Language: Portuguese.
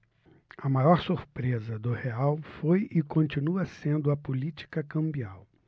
a maior surpresa do real foi e continua sendo a política cambial